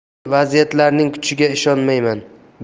men vaziyatlarning kuchiga